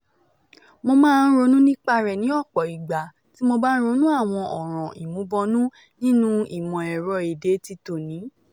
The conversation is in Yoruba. Mo máa ń ronú nípa rẹ̀ ní ọ̀pọ̀ ìgbà tí mo bá ń ronú àwọn ọ̀ràn ìmúbọnú nínú ìmọ̀-ẹ̀rọ èdè ti òní.